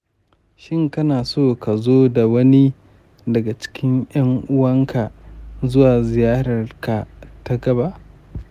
shin kana so ka zo da wani daga cikin ‘yan uwanka zuwa ziyararka ta gaba?